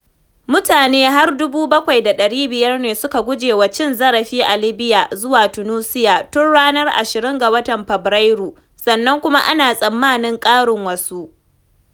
Mutane har 75,000 ne suka guje wa cin-zarafi a Libya zuwa Tunusia tun ranar 20 ga watan Fabrairu, sannan kuma ana tsammanin ƙarin wasu.